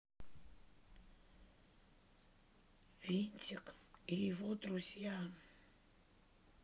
винтик и его друзья